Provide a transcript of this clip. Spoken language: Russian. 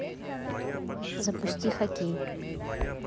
запусти хоккей